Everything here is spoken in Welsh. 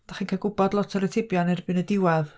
dach chi'n cael gwbod lot o'r atebion erbyn y diwedd.